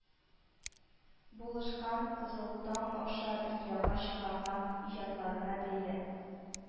Булышкан, «кызыл таң» аша дөньяга чыгарган, иҗатларына бәя